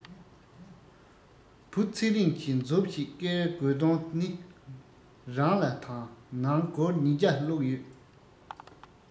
བུ ཚེ རིང གྱི མཛུབ ཞིག ཀེར དགོས དོན ནི རང ལ དང ནང སྒོར ཉི བརྒྱ བླུག ཡོད